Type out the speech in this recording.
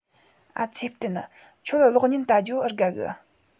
ཨ ཚེ བརྟན ཁྱོད གློག བརྙན བལྟ རྒྱུའོ ཨེ དགའ གི